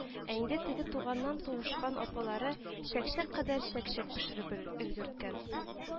Ә инде теге туганнан туышкан апалары чәкчәк кадәр чәкчәк пешереп өлгерткән